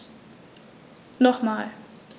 Nochmal.